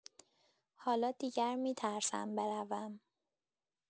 حالا دیگر می‌ترسم بروم.